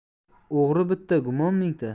o'g'ri bitta gumon mingta